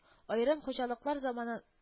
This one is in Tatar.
Аерым хуҗалыклар заманы